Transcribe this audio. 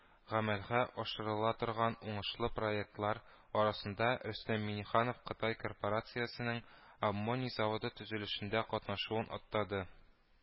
Гамәлгә ашырыла торган уңышлы проектлар арасында рөстәм миңнеханов кытай корпорациясенең “аммоний” заводы төзелешендә катнашуын аттады